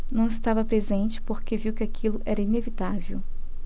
não estava presente porque viu que aquilo era inevitável